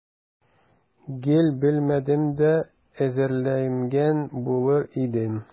Гел белмәдем дә, әзерләнгән булыр идем.